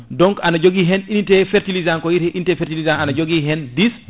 donc haɗa jogui hen unité fertilisant ko wiyate unité fertilisant aɗa jogui hen dix